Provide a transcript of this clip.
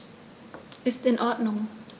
Ist in Ordnung.